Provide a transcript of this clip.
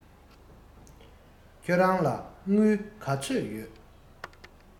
ཁྱེད རང ལ དངུལ ལ ཚོད ཡོད